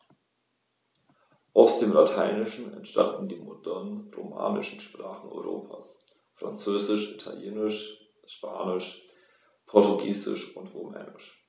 Aus dem Lateinischen entstanden die modernen „romanischen“ Sprachen Europas: Französisch, Italienisch, Spanisch, Portugiesisch und Rumänisch.